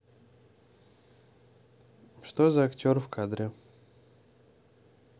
что за актер в кадре